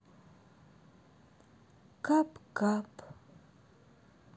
кап кап